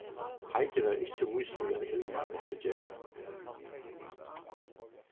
heidi var ikki vís í at hilmar mátti gera tað